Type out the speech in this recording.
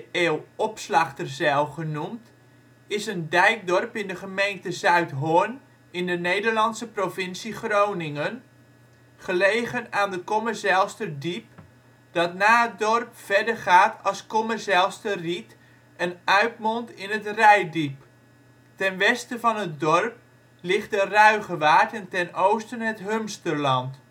eeuw Opslachterzijl genoemd, is een dijkdorp in de gemeente Zuidhorn in de Nederlandse provincie Groningen, gelegen aan de Kommerzijlsterdiep, dat na het dorp verder gaat als Kommerzijlsterriet en uitmondt in het Reitdiep. Ten westen van het dorp ligt de Ruigewaard en ten oosten het Humsterland